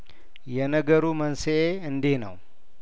የነገሩ መንስኤ እንዲህ ነው